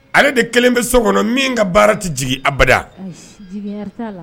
Ale de kelen bɛ so kɔnɔ min ka baara tɛ jigin aba